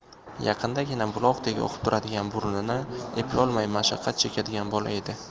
yaqindagina buloqdek oqib turadigan burnini eplolmay mashaqqat chekadigan bola edi